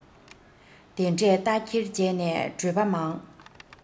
དེ འདྲས རྟ འཁྱེར བྱས ནས བྲོས པ མང